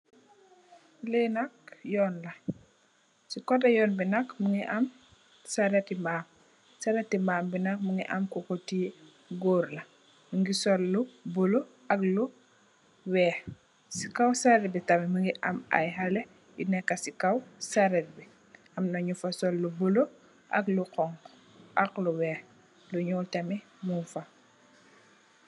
Li naak yuun la si kote yuun bi nak mogi am sereti mbam sereti mbam bi nak mongi am kuko tiyex goor la mongi sol lu bulo ak lu weex si kaw seret bi tam mongi am ay xalex yu neka si kaw seret bi amna nu fa sol lu bulo ak lu xonxu ak lu weex lu nuul tamit mung faa.